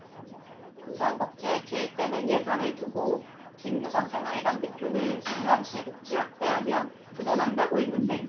무상 복지에 투입되는 예산을 두고 김무성 새누리당 대표는 성남시 복지확대하면 부도 난다고 했는데